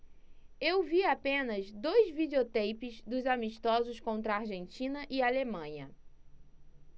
eu vi apenas dois videoteipes dos amistosos contra argentina e alemanha